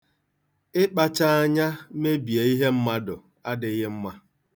Ịkpacha anya mebie ihe mmadụ adịghị mma.